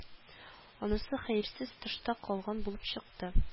Анысы хәерсез тышта калган булып чыкты